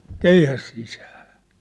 keihäs sisään